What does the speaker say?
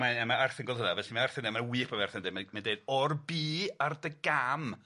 Mae e a ma' Arthur 'n gweld hwnna, felly mae Arthur a ma' wych be' ma' Arthur yn deu mae mae'n deud o'r bu ar dy gam